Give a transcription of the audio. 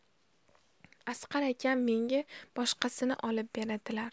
asqar akam menga boshqasini olib beradilar